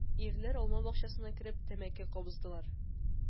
Ирләр алма бакчасына кереп тәмәке кабыздылар.